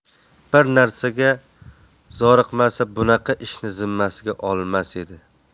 bir narsaga zoriqmasa bunaqa ishni zimmasiga olmas edi